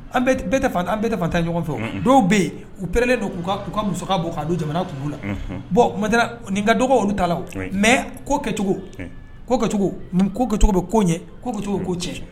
An an bɛɛ tɛ fantan ɲɔgɔn fɛ dɔw bɛ yen u plen don k''u ka muso bɔ ka don jamana tuu la bɔn tuma nin ka dɔgɔ olu talaw o mɛ ko kɛcogo kocogo ko kɛcogo bɛ ko ɲɛ ko kɛcogo ko cɛn